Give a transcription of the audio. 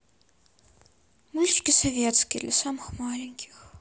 мультики советские для самых маленьких